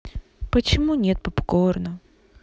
почему нет попкорна